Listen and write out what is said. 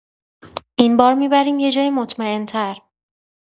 این بار می‌بریم یه جای مطمئن‌تر.